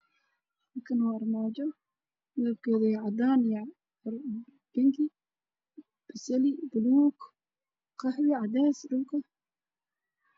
Meeshaan waxaa yaalo kurtun weyn oo dul duleelo oo midabkiisu yahay cadaan xubin ka dambeeyay darbi